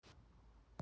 смешнее ничего не было